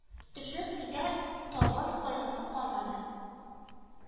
Төшеп, миндә табын кайгысы калмады